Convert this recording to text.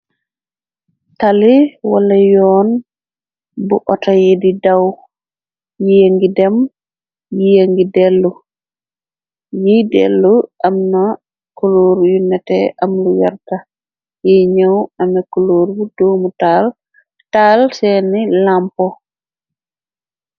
Tali wala yoon, bu otoyi di daw, yiengi dem, yiengi dellu, yiy dellu am na kulour yu nete, am lu yarta, yiy ñëw ame kuloor bu doomu taal, taal seeni lampo.